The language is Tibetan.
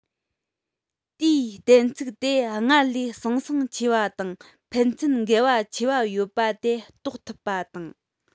དེའི གཏན ཚིགས དེ སྔ ལས ཟང ཟིང ཆེ བ དང ཕན ཚུན འགལ བ ཆེ བ ཡོད པ དེ རྟོགས ཐུབ པ དང